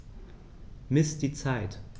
Miss die Zeit.